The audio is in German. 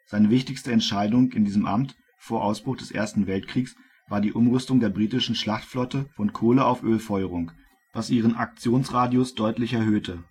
Seine wichtigste Entscheidung in diesem Amt, vor Ausbruch des Ersten Weltkriegs, war die Umrüstung der britischen Schlachtflotte von Kohle - auf Ölfeuerung, was ihren Aktionsradius deutlich erhöhte